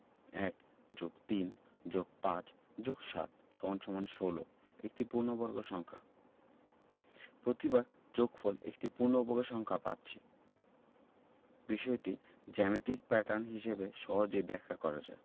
১+৩+৫+৭=১৬ একটি পূর্ণবর্গ সংখ্যা প্রতিবার যোগফল একটি পূর্ণবর্গ সংখ্যা পাচ্ছি বিষয়টি জ্যামিতিক প্যাটার্ন হিসেবে সহজেই ব্যাখ্যা করা যায়